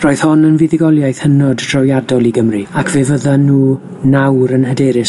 Roedd hon yn fuddugoliaeth hynod drawiadol i Gymru, ac fe fyddan nhw nawr yn hyderus